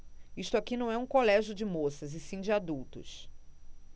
isto aqui não é um colégio de moças e sim de adultos